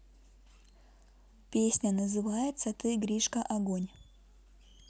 песня называется ты гришка огонь